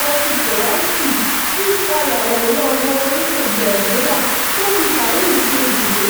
Rachid Koraichi tí í ṣe ayàwòrán ọmọ Orílẹ̀-èdè Algeria tí ó fi Paris ṣe ibùgbé,